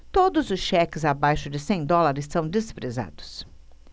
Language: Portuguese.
todos os cheques abaixo de cem dólares são desprezados